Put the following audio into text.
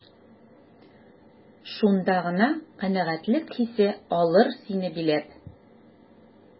Шунда гына канәгатьлек хисе алыр сине биләп.